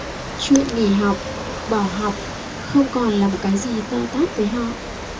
chuyện nghỉ học bỏ học không còn là một cái gì to tát với họ